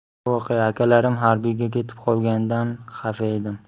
darvoqe akalarim harbiyga ketib qolganidan xafa edim